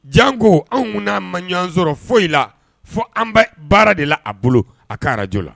Jan ko an n'a ma ɲɔgɔn sɔrɔ foyi la fo an bɛ baara de la a bolo a kaj la